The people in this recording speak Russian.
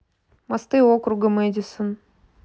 мосты округа мэдисон